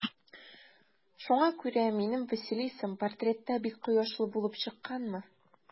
Шуңа күрә минем Василисам портретта бик кояшлы булып чыкканмы?